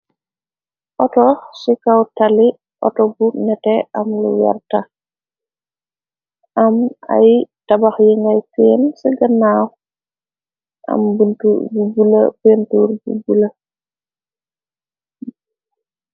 otto ci kaw tali. Otto bu nete am lu wert. Am ay tabax yi ngay feen ci gannaaw. Am buntu bu bulo peentuur bu bulo.